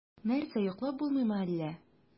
Нәрсә, йоклап булмыймы әллә?